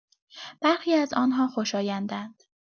برخی از آن‌ها خوشایندند.